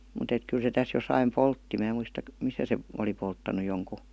mutta että kyllä se tässä jossakin poltti minä muista missä se oli polttanut jonkun